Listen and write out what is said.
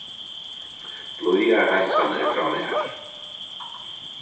blíðar heilsanir frá mær